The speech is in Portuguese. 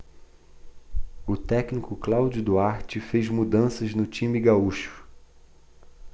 o técnico cláudio duarte fez mudanças no time gaúcho